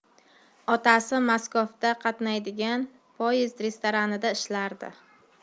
otasi maskovga qatnaydigan poezd restoranida ishlardi